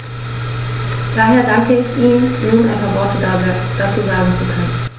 Daher danke ich Ihnen, nun ein paar Worte dazu sagen zu können.